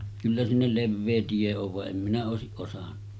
kyllä sinne leveä tie on vaan en minä olisi osannut